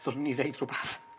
Ddylwrn i ddeud rwbath.